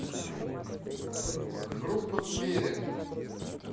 группа звери